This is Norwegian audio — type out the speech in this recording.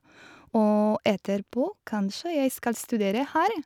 Og etterpå kanskje jeg skal studere her?